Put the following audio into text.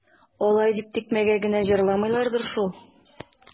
Алай дип тикмәгә генә җырламыйлардыр шул.